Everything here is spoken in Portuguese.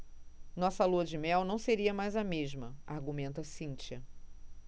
nossa lua-de-mel não seria mais a mesma argumenta cíntia